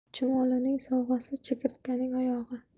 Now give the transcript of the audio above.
chumolining sovg'asi chigirtkaning oyog'i